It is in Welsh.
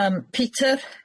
Yym Peter?